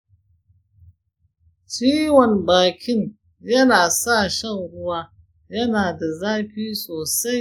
ciwon bakin yana sa shan ruwa yana da zafi sosai.